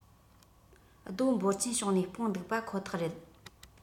རྡོ འབོར ཆེན བྱུང ནས སྤུངས འདུག པ ཁོ ཐག རེད